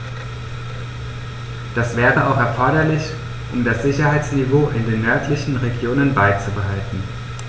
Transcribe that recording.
Das wäre auch erforderlich, um das Sicherheitsniveau in den nördlichen Regionen beizubehalten.